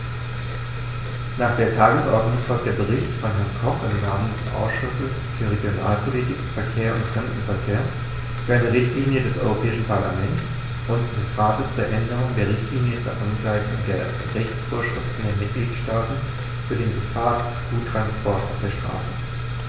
Nach der Tagesordnung folgt der Bericht von Herrn Koch im Namen des Ausschusses für Regionalpolitik, Verkehr und Fremdenverkehr für eine Richtlinie des Europäischen Parlament und des Rates zur Änderung der Richtlinie zur Angleichung der Rechtsvorschriften der Mitgliedstaaten für den Gefahrguttransport auf der Straße.